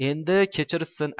endi kechirishsin